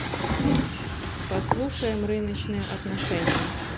послушаем рыночные отношения